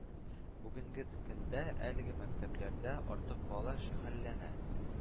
Бүгенге көндә әлеге мәктәпләрдә артык бала шөгыльләнә